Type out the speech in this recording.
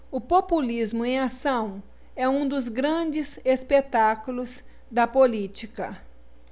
o populismo em ação é um dos grandes espetáculos da política